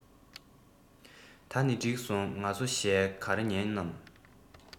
ད ནི གྲིགས སོང ང ཚོ གཞས ག རེ ཉན ནམ